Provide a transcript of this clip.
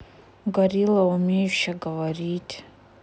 горилла умеющая говорить